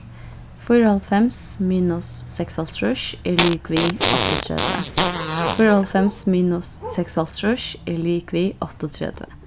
fýraoghálvfems minus seksoghálvtrýss er ligvið áttaogtretivu fýraoghálvfems minus seksoghálvtrýss er ligvið áttaogtretivu